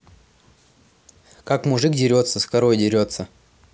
как мужик дерется с корой дерется